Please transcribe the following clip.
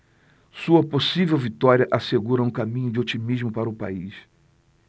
sua possível vitória assegura um caminho de otimismo para o país